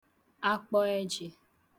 akpọ ejị